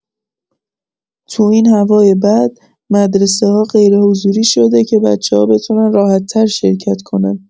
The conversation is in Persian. تو این هوای بد، مدرسه‌ها غیرحضوری شده که بچه‌ها بتونن راحت‌تر شرکت کنن.